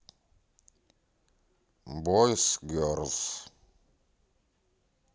бойз герлз